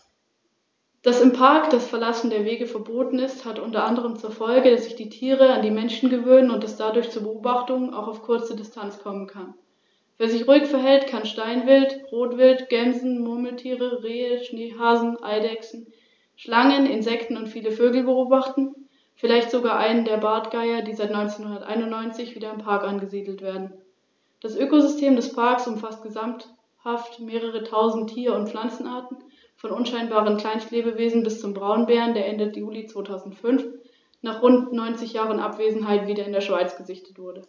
Im Zweiten Punischen Krieg gelang es dem karthagischen Strategen Hannibal beinahe, Rom in die Knie zu zwingen, wobei als Kriegsgrund die Belagerung und Eroberung der griechischen Kolonie Saguntum durch Hannibal diente, die mit Rom „verbündet“ war.